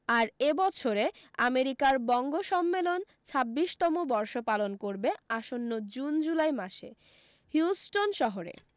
আর এ বছরে আমেরিকার বঙ্গ সম্মেলন ছাব্বিশতম বর্ষ পালন করবে আসন্ন জুন জুলাই মাসে হিউস্টন শহরে